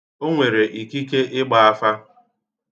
O nwere ikike ịgba afa.